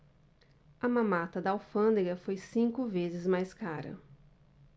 a mamata da alfândega foi cinco vezes mais cara